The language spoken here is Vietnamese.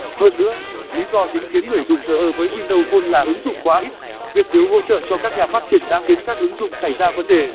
hơn nữa lý do chính khiến người dùng thờ ơ với windows phone là ứng dụng quá ít việc thiếu hỗ trợ cho các nhà phát triển đã khiến các ứng dụng xảy ra vấn đề